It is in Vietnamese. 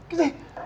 cái gì